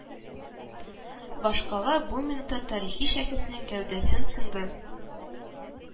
Башкала бу минутта тарихи шәхеснең гәүдәсен соңгы